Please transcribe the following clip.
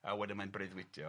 a wedyn mae'n breuddwydio